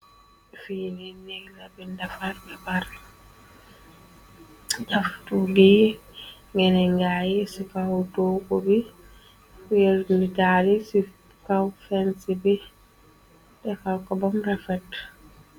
Fili negna bi frdaftugi genengayi, ci fawtoogu bi, wernitaari ci faw fenc, bi dexal ko bam rafet.